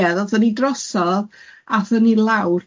Ie ddathen ni drosodd athen ni lawr.